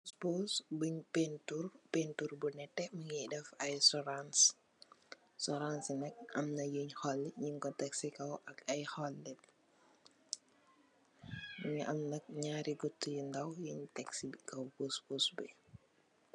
Loxa bi mëngi te paketi karton yi garab bu ndaw, paketi karton bi nag, si rop moo nekk ci diire. Ay garabi xale, garab bi faj jangoro ci xale , ci kaw kàrton bi nag, muñ fa def xale bu sol mbaxana piriweer, më ngi am bindi yu xonx, yu rëy ak bind yu ñuu.